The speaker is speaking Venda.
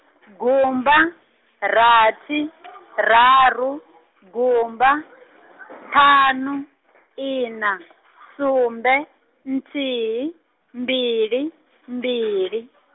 gumba, rathi, raru, gumba, ṱhanu, ina, sumbe, nthihi, mbili, mbili.